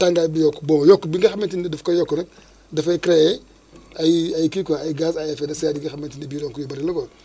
tàngaay bi yokku bon yokku bi nga xamante ne ni daf koy yokk nag dafay créer ay ay kii quoi ay gaz à effet de serre yi nga xamante ne bi donc yu bëri la quoi